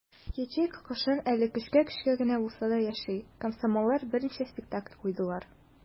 Ячейка кышын әле көчкә-көчкә генә булса да яши - комсомоллар берничә спектакль куйдылар.